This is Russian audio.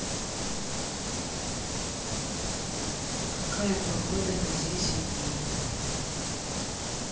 какая погода на десять дней